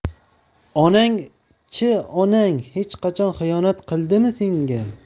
onang chi onang hech qachon xiyonat qildimi senga